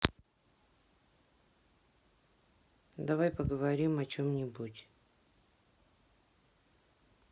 давай поговорим о чем не будь